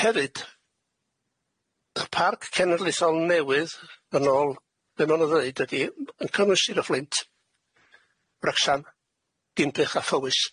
Hefyd y parc cenedlithol newydd yn ôl be' ma' nw ddeud ydi m- yn cynnwys Sir y Fflint, Wrecsam, Dinbych a Fywys.